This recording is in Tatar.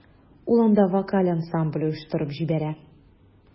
Ул анда вокаль ансамбль оештырып җибәрә.